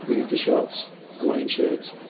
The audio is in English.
Bermuda shorts, Hawaiian shirt.